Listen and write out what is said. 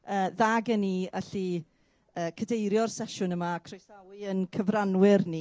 yy dda gen i allu cadeirio y sesiwn yma a croesawu ein cyfrannwyr ni.